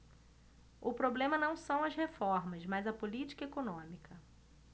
o problema não são as reformas mas a política econômica